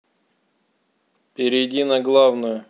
перейди на главную